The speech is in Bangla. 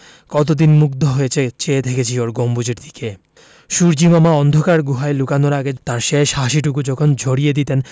কতদিন মুগ্ধ হয়ে চেয়ে থেকেছি ওর গম্বুজের দিকে সূর্য্যিমামা অন্ধকার গুহায় লুকানোর আগে তাঁর শেষ হাসিটুকু যখন ঝরিয়ে দিতেন